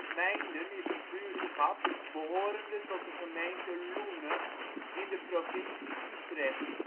Mijnden is een buurtschap behorende tot de gemeente Loenen in de provincie Utrecht